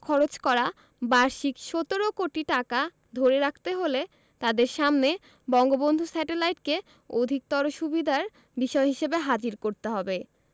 খরচ করা বার্ষিক ১৭ কোটি টাকা ধরে রাখতে হলে তাদের সামনে বঙ্গবন্ধু স্যাটেলাইটকে অধিকতর সুবিধার বিষয় হিসেবে হাজির করতে হবে